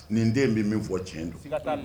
Nin den bɛ min fɔ cɛn don